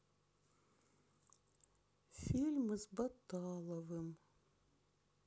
фильмы с баталовым